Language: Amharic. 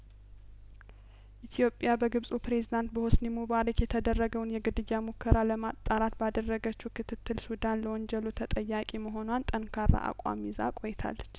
ኢትዮጵያ በግብጹ ፕሬዚዳንት በሆስኒ ሙባረክ የተደረገውን የግድያ ሙከራ ለማጣራት ባደረገችው ክትትል ሱዳን ለወንጀሉ ተጠያቂ መሆኗን ጠንካራ አቋም ይዛ ቆይታለች